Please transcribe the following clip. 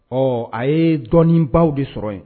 Ɔ a ye dɔɔninɔni baw de sɔrɔ yen